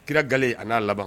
Kira gale, a n'a laban